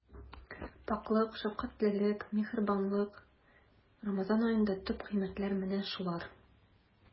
Пакьлек, шәфкатьлелек, миһербанлык— Рамазан аенда төп кыйммәтләр менә шулар.